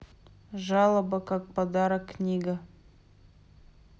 жалоба как подарок книга